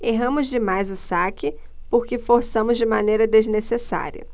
erramos demais o saque porque forçamos de maneira desnecessária